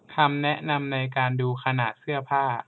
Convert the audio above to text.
คำแนะนำในการดูขนาดเสื้อผ้า